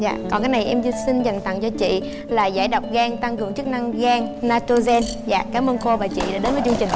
dạ còn cái này em xin dành tặng cho chị là giải độc gan tăng cường chức năng gan na tô gien dạ cám ơn cô và chị đã đến với chương trình ạ